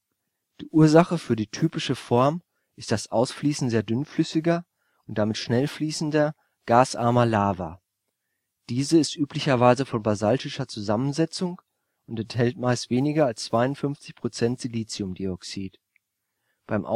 Die Ursache für die typische Form ist das Ausfließen sehr dünnflüssiger und damit schnell fließender, gasarmer Lava. Diese ist üblicherweise von basaltischer Zusammensetzung und enthält meist weniger als 52 % Siliziumdioxid (SiO2). Beim Ausfließen